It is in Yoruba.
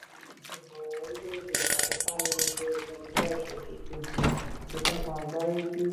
Síwájú ìdìbò ní orílẹ̀ èdè Pakistan ní ọjọ́ 25 oṣù Keje, ìtàkùn àgbáyé ti